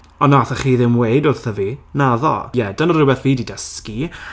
Ond wnaethoch chi ddim weud wrtho fi. Naddo. Ie dyna rhywbeth fi 'di dysgu.